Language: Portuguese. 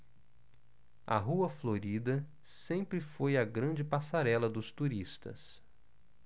a rua florida sempre foi a grande passarela dos turistas